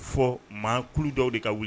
Fɔ maa kulu dɔw de ka wuli